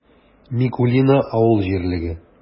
Микулино авыл җирлеге